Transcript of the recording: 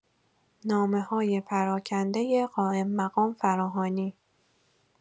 نامه‌های پراکنده قائم‌مقام فراهانی